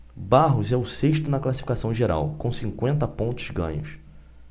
barros é o sexto na classificação geral com cinquenta pontos ganhos